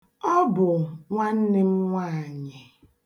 Ọ bụ nwanne m nwaanyị.